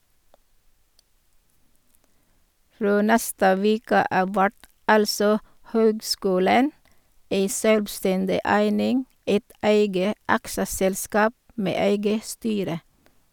Frå neste veke av vert altså høgskulen ei sjølvstendig eining, eit eige aksjeselskap med eige styre.